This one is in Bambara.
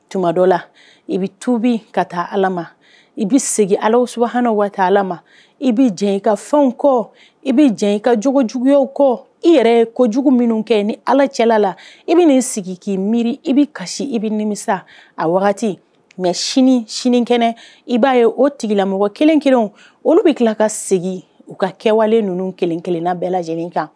Tuma dɔ la i bɛ tubi ka taa ala ma i bɛ segin ala suana waati ala ma i bɛ jɛ i ka fɛnw kɔ i bɛ jɛ i ka jugujuguya kɔ i yɛrɛ kojugu minnu kɛ ni ala cɛla la i bɛi sigi k'i miiri i bɛ kasi i bɛ nimisa a wagati mɛ sini sini kɛnɛ i b'a ye o tigilamɔgɔ kelen kelen olu bɛ tila ka segin u ka kɛwalelen ninnu kelenkelen na bɛɛ lajɛlen kan